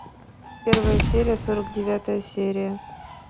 первая серия сорок девятая серия